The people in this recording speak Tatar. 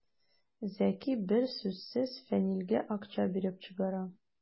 Зәки бер сүзсез Фәнилгә акча биреп чыгара.